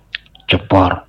Cɛ paul